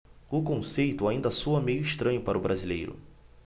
o conceito ainda soa meio estranho para o brasileiro